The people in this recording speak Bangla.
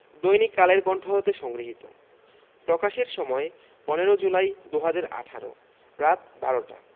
দৈনিক কালের কন্ঠ হতে সংগৃহীত প্রকাশের সময় ১৫ জুলাই ২০১৮ রাত ১২টা